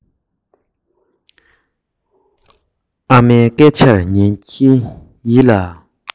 ཨ མའི སྐད ཆར ཉན གྱིན ཡིད ལ